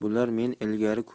bular men ilgari ko'rmagan